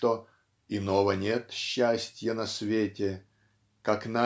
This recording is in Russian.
что "иного нет счастья на свете" как